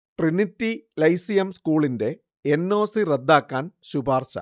Trinity Lyceum സ്കൂളിന്റെ N. O. C റദ്ദാക്കാൻ ശുപാർശ